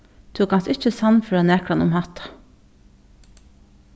tú kanst ikki sannføra nakran um hatta